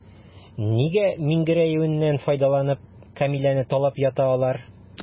Нигә миңгерәюеннән файдаланып, Камиләне талап ята алар?